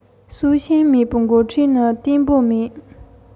སྲོག ཤིང མེད པའི འགོ ཁྲིད ནི བརྟན པོ མེད